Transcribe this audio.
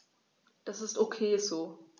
Das ist ok so.